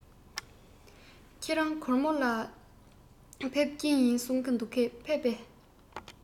ཁྱེད རང གོར མོ ལ འགྲོ ཀྱི ཡིན གསུང གི འདུག ཕེབས པས